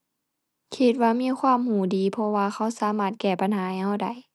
คิดว่ามีความรู้ดี เพราะว่าเขาสามารถแก้ปัญหาให้รู้ได้